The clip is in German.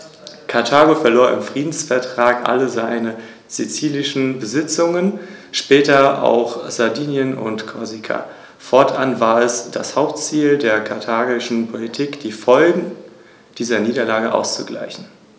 Auch die regionaltypischen Streuobstwiesen werden nun wieder effizient und werbewirksam zur Produktion von ökologisch wertvollen Nahrungsmitteln genutzt, und schonende, ökologisch verträgliche Energiekonzepte sollen die Qualität des Lebensraumes Rhön sichern und ausbauen.